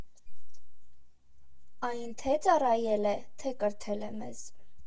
Այն թե ծառայել է, թե կրթել է մեզ։